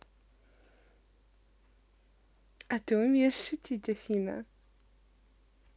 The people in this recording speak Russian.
а ты умеешь шутить афина